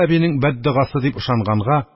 Әбинең бәддогасы дип ышанганга,